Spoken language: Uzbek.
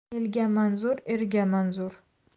elga manzur erga manzur